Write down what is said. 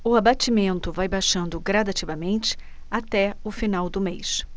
o abatimento vai baixando gradativamente até o final do mês